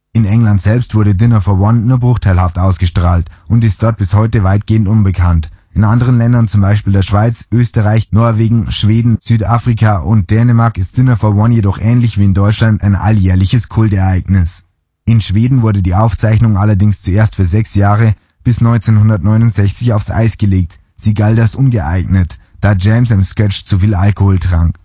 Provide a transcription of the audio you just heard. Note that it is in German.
In England selbst wurde Dinner for One nur bruchteilhaft ausgestrahlt und ist dort bis heute weitgehend unbekannt. In anderen Ländern, zum Beispiel der Schweiz, Österreich, Norwegen, Schweden, Südafrika, Dänemark, ist Dinner for One jedoch ähnlich wie in Deutschland ein alljährliches Kult-Ereignis. In Schweden wurde die Aufzeichnung allerdings zuerst für sechs Jahre, bis 1969 aufs Eis gelegt, sie galt als „ ungeeignet “, da James im Sketch zuviel Alkohol trank